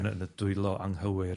Yn y yn y dwylo anghywir.